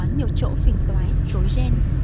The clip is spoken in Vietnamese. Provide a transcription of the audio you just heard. nhiều chỗ phiền toái rối ren